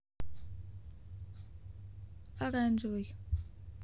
оранжевый